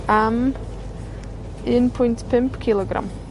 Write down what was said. am un pwynt pump cilogram.